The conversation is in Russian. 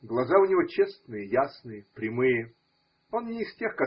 Глаза у него честные, ясные, прямые. Он не из тех.